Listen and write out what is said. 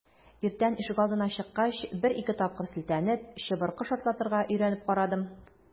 Иртән ишегалдына чыккач, бер-ике тапкыр селтәнеп, чыбыркы шартлатырга өйрәнеп карадым.